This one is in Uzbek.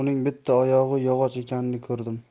uning bitta oyog'i yog'och ekanini ko'rdim